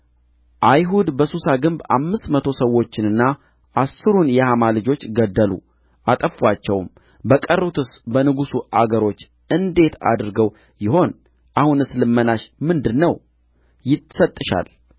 አይሁድ በሱሳ ግንብ አምስት መቶ ሰዎችንና አሥሩን የሐማ ልጆች ገደሉ አጠፉአቸውም በቀሩትስ በንጉሡ አገሮች እንዴት አድርገው ይሆን አሁንስ ልመናሽ ምንድር ነው ይሰጥሻል